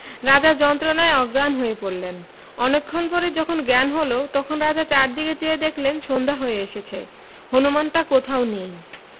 রাজা যন্ত্রনায় অজ্ঞান হয়ে পড়লেন অনেকক্ষণ পরে যখন জ্ঞান হল তখন রাজা চারদিক চেয়ে দেখলেন সন্ধ্যা হয়ে এসেছে হুনুমানটা কোথাও নেই